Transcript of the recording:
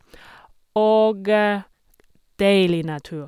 Og deilig natur.